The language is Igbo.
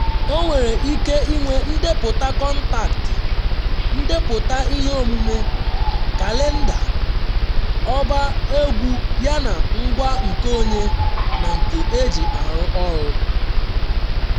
Ọ nwere ike inwe ndepụta kọntaktị, ndepụta ihe omume, kalenda, ọba egwu yana ngwa nkeonwe na nke eji arụ ọrụ.